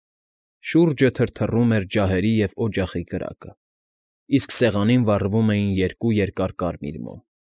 Շուրջը թրթռում էր ջահերի և օջախի կրակը, իսկ սեղանին վառվում էին երկու երկար կարմիր մոմ։